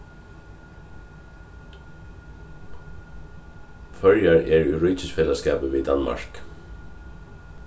føroyar eru í ríkisfelagsskapi við danmark